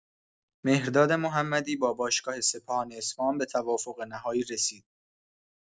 مهرداد محمدی با باشگاه سپاهان اصفهان به توافق نهایی رسید.